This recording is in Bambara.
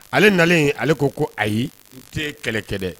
Ale na ale ko ko ayi n tɛ kɛlɛkɛ dɛ